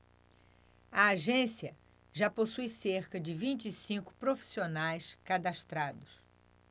a agência já possui cerca de vinte e cinco profissionais cadastrados